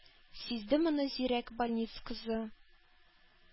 Сизде моны зирәк больниц кызы,